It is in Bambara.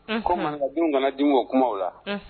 Ko komi man g kana den o kuma la